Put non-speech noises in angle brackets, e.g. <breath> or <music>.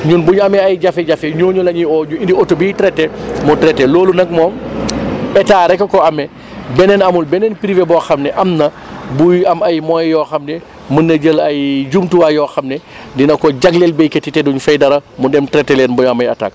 ñun bu ñu amee ay jafe-jafe ñoonu la ñuy oo ñu indi oto biy traité <noise> mu traité loolu nag moom <noise> état rek a ko ame <noise> beneen amul beneen privé boo xam ne am na <noise> buy am ay moyens yoo xam ne mën na jël ay jumtuwaay yoo xam ne <breath> dina ko jagleel béykat yi te duñ fay dara mu dem traité leen bu ñu amee attaque